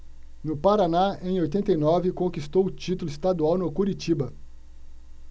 no paraná em oitenta e nove conquistou o título estadual no curitiba